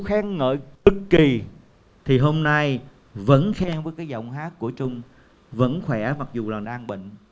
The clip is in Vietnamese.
khen ngợi cực kỳ thì hôm nay vẫn khen với cái giọng hát của chung vẫn khỏe mặc dù đang bệnh